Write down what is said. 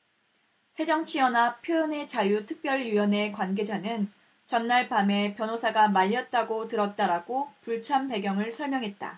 새정치연합 표현의자유특별위원회 관계자는 전날 밤에 변호사가 말렸다고 들었다라고 불참 배경을 설명했다